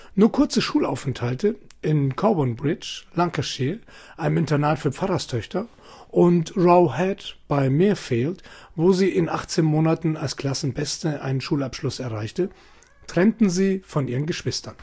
Nur kurze Schulaufenthalte in Cowan Bridge (Lancashire), einem Internat für Pfarrerstöchter, und Roe Head (bei Mirfield), wo sie in 18 Monaten als Klassenbeste einen Schulabschluss erreichte, trennten sie von ihren Geschwistern